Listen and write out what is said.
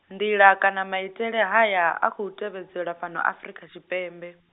nḓila kana maitele haya a khou tevhedzelwa fhano Afurika Tshipembe.